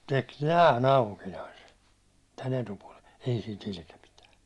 teki näin aukinaisen tämän etupuolen ei sitä ilkeä pitää